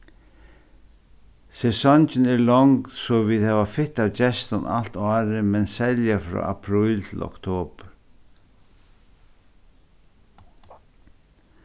sesongin er longd so vit hava fitt av gestum alt árið men serliga frá apríl til oktobur